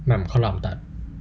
แหม่มข้าวหลามตัด